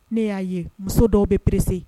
Ne y'a ye muso dɔw bɛ perese